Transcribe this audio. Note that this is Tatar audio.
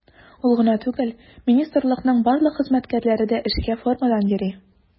Ул гына түгел, министрлыкның барлык хезмәткәрләре дә эшкә формадан йөри.